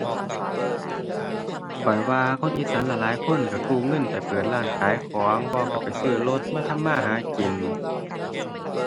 ข้อยว่าคนอีสานหลายหลายคนก็กู้เงินไปเปิดร้านขายของ บ่ก็ไปซื้อรถมาทำมาหากิน